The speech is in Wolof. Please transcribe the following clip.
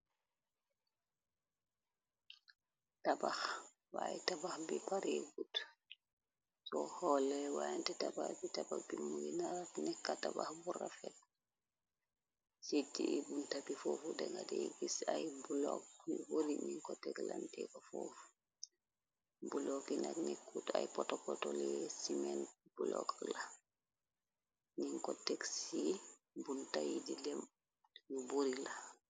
Tabax waaye tabax bi paregut so xoolee wayante tabax bi tabax bi muyi narat nekka tabax bu rafet site bun tabi foofu dengate gis ay block yu bori nin ko teklante ko foofu bulook yi nak nekkuut ay potopoto lee cimen bulook la nin ko tëg ci buntayi di lem ñu buori la.